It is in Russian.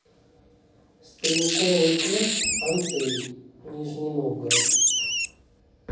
стрелковый клуб антей нижний новгород